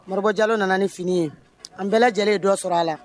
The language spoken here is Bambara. Moribɔ jalo nana ni fini ye an bɛɛ lajɛlen ye dɔ sɔrɔ a la